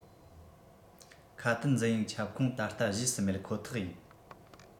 ཁ དན འཛིན ཡིག ཁྱབ ཁོངས ད ལྟ གཞིས སུ མེད ཁོ ཐག ཡིན